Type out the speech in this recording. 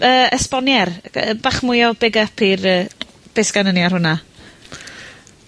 Yy, esbonier. Gy- yy bach mwy o big up i'r yy, be sgynnon ni ar hwnna.